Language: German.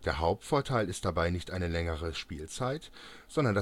Hauptvorteil ist dabei nicht eine längere Spielzeit, sondern